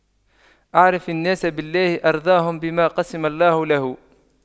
أعرف الناس بالله أرضاهم بما قسم الله له